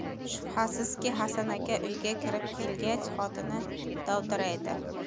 shubhasizki hasan aka uyga kirib kelgach xotini dovdiraydi